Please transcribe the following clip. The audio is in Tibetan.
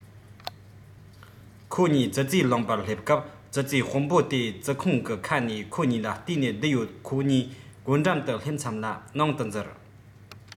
ཁོ གཉིས ཙི ཙིས ལུང པར སླེབས སྐབས ཙི ཙིའི དཔོན པོ དེ ཙི ཁུང གི ཁ ནས ཁོ གཉིས ལ བལྟས ནས བསྡད ཡོད ཁོ གཉིས སྒོ འགྲམ དུ སླེབས མཚམས ལ ནང དུ འཛུལ